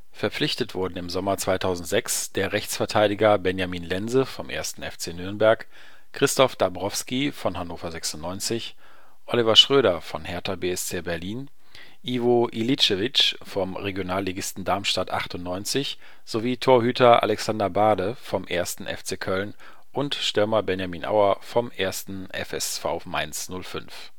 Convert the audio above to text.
Verpflichtet wurden im Sommer 2006 der Rechtsverteidiger Benjamin Lense vom 1. FC Nürnberg, Christoph Dabrowski von Hannover 96, Oliver Schröder von Hertha BSC Berlin, Ivo Iličević vom Regionalligisten Darmstadt 98 sowie Torhüter Alexander Bade vom 1. FC Köln und Stürmer Benjamin Auer vom 1. FSV Mainz 05.